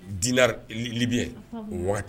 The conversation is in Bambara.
Dinare Libien Unhun o waati